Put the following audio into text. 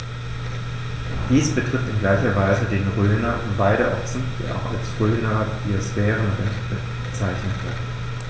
Dies betrifft in gleicher Weise den Rhöner Weideochsen, der auch als Rhöner Biosphärenrind bezeichnet wird.